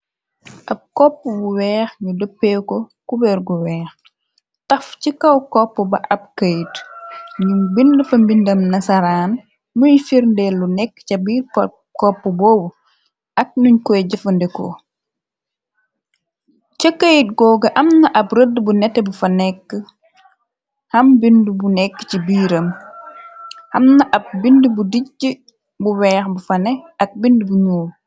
Ab koppu bu weex ñu deppee ko kubergu weex taf ci kaw koppu ba ab kayt ñum bind fa mbindam na saraan muy firndee lu nekk ca biir kopp boobu ak nuñ koy jëfandeko ca kayït googa am na ab rëdd bu nette bu fa nekk am bind bu nekk ci biiram amna ab bindi bu dijji bu weex bu fa ne ak bindi bu ñyuul.